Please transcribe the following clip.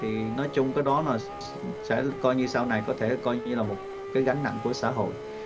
thì nói chung cái đó là sẽ coi như sau này có thể coi như là một cái gánh nặng của xã hội